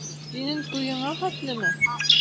Синең туеңа хәтлеме?